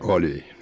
oli